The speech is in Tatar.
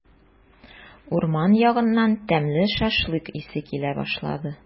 Урман ягыннан тәмле шашлык исе килә башлады.